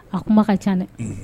A kuma ka ca dɛ